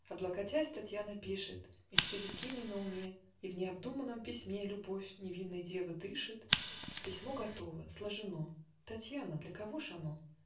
Облокотясь, Татьяна пишет, И все Евгений на уме, И в необдуманном письме Любовь невинной девы дышит. Письмо готово, сложено. Татьяна! для кого ж оно?